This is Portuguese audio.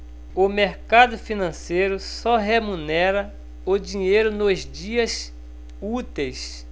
o mercado financeiro só remunera o dinheiro nos dias úteis